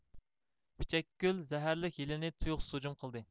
پىچەكگۈل زەھەرلىك يىلىنى تۇيۇقسىز ھۇجۇم قىلدى